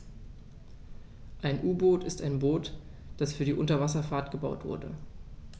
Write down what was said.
Ein U-Boot ist ein Boot, das für die Unterwasserfahrt gebaut wurde.